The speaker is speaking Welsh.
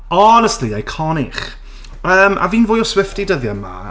Honestly, iconic! Yym, a fi'n fwy o Swifite dyddiau 'ma.